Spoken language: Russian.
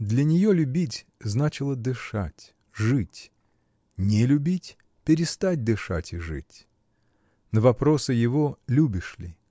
Для нее любить — значило дышать, жить; не любить — перестать дышать и жить. На вопросы его: “Любишь ли?